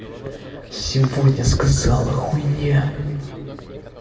сегодня сказала хуйня